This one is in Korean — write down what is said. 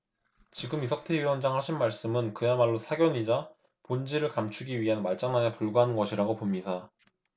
지금 이석태 위원장 하신 말씀은 그야말로 사견이자 본질을 감추기 위한 말장난에 불과한 것이라고 봅니다